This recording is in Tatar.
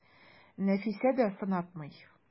Нәфисә дә сынатмый.